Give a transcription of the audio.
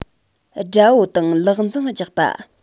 དགྲ བོ དང ལག འཛིང རྒྱག པ